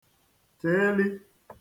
chègheli